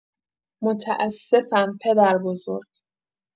متاسفم پدربزرگ!